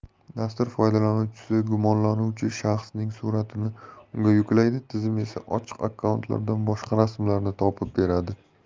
dastur foydalanuvchisi gumonlanuvchi shaxsning suratini unga yuklaydi tizim esa ochiq akkauntlardan boshqa rasmlarni topib beradi